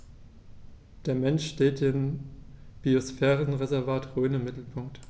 Der Mensch steht im Biosphärenreservat Rhön im Mittelpunkt.